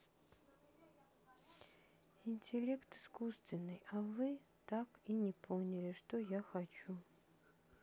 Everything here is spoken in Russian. интеллект искусственный а вы так и не поняли что я хочу